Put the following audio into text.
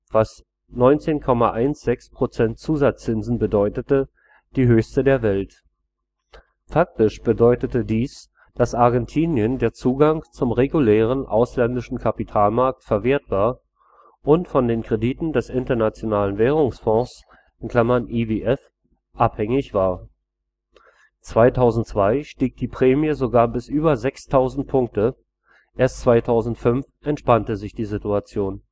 was 19,16 % Zusatzzinsen bedeutete, die höchste der Welt. Faktisch bedeutete dies, dass Argentinien der Zugang zum regulären ausländischen Kapitalmarkt verwehrt war und von den Krediten des Internationalen Währungsfonds (IWF) abhängig war. 2002 stieg die Prämie sogar bis über 6000 Punkte, erst 2005 entspannte sich die Situation